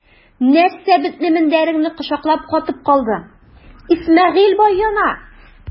Нәрсә бетле мендәреңне кочаклап катып калдың, Исмәгыйль бай яна!